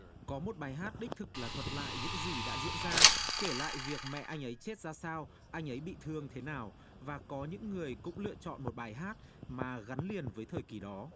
có một bài hát đích thực là thuật lại những gì đã diễn ra kể lại việc mẹ anh ấy chết ra sao anh ấy bị thương thế nào và có những người cũng lựa chọn một bài hát mà gắn liền với thời kỳ đó